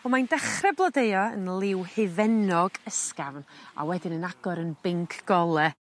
On' mae'n dechre blodeuo yn liw hufennog ysgafn a wedyn yn agor yn binc gole.